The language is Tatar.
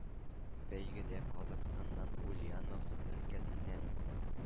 “бәйгедә казахстаннан, ульяновск өлкәсеннән,